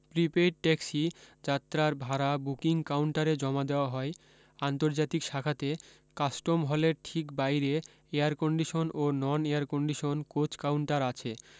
prepaid taxi যাত্রার ভাড়া booking কাউন্টারে জমা দেওয়া হয় আন্তর্জাতিক শাখাতে কাস্টম হলের ঠিক বাইরে এয়ারকন্ডিসন ও নন এয়ারকন্ডিসন কোচ কাউন্টার আছে